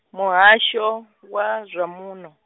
Muhasho, wa zwa muṋo.